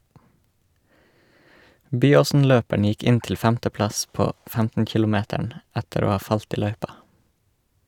Byåsen-løperen gikk inn til femteplass på 15-kilometeren etter å ha falt i løypa.